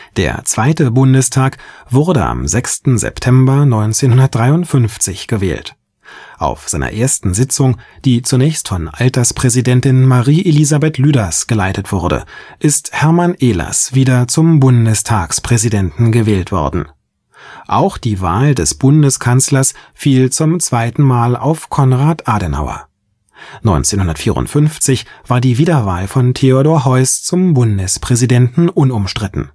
Der 2. Bundestag wurde am 6. September 1953 gewählt. Auf seiner ersten Sitzung, die zunächst von Alterspräsidentin Marie Elisabeth Lüders geleitet wurde, ist Hermann Ehlers wieder zum Bundestagspräsidenten gewählt worden. Auch die Wahl des Bundeskanzlers fiel zum zweiten Mal auf Konrad Adenauer. 1954 war die Wiederwahl von Theodor Heuss zum Bundespräsidenten unumstritten